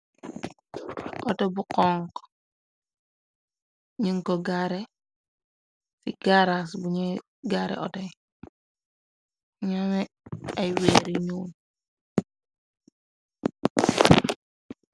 Oto bu xonxu nyun ko gaare si gaaras buñuy gaare otoyi mongi ame ay wéeng yu ñuul.